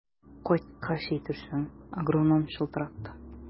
Кайткач әйтерсең, агроном чылтыратты.